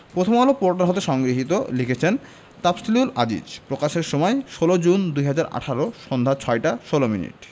Prothom Alo portal হতে সংগৃহীত লিখেছেন তাফসিলুল আজিজ প্রকাশের সময় ১৬জুন ২০১৮ সন্ধ্যা ৬টা ১৬ মিনিট